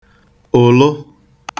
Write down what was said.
ụlụ